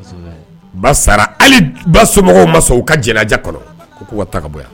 Ba sara ba somɔgɔw ma ka jja kɔnɔ k' ka ta ka bɔ